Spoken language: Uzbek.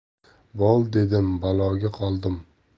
bol dedim baloga qoldim